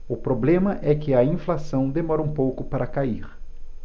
o problema é que a inflação demora um pouco para cair